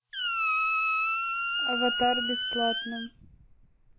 аватар бесплатно